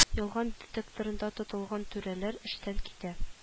Ялган детекторында тотылган түрәләр эштән китә